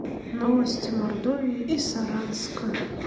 новости мордовии и саранска